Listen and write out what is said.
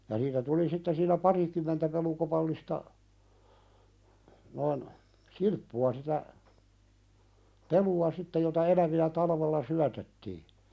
ja niitä tuli sitten siinä parikymmentä pelukopallista noin silppua sitä pelua sitten jota eläviä talvella syötettiin